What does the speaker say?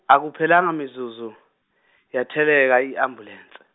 akuphelanga mizuzu, yatheleka i-ambulense.